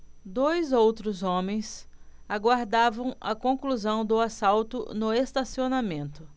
dois outros homens aguardavam a conclusão do assalto no estacionamento